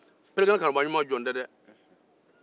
ale tɛ jɔn ye dɛ